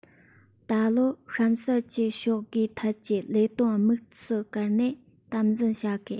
ད ལོ གཤམ གསལ གྱི ཕྱོགས དགུའི ཐད ཀྱི ལས དོན དམིགས སུ བཀར ནས དམ འཛིན བྱ དགོས